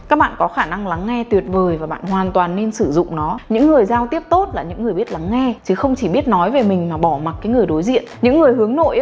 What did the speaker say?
các bạn có khả năng lắng nghe tuyệt vời và các bạn hoàn toàn nên sử dụng nó những người giao tiếp tốt là những người biết lắng nghe chứ không chỉ biết nói về mình và bỏ mặt người đối diện những người hướng nội